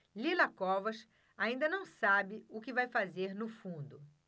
lila covas ainda não sabe o que vai fazer no fundo